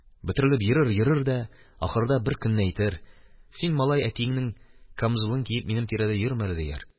Бөтерелеп йөрер-йөрер дә, ахырында бер көнне әйтер: «Син, малай, әтиеңнең камзулын киеп, минем тирәдә йөрмә әле», – дияр.